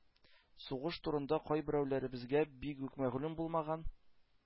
Сугыш турында кайберәүләребезгә бигүк мәгълүм булмаган